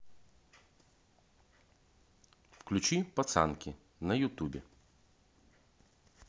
включи пацанки на ютубе